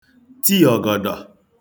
ti ọ̀gọ̀dọ̀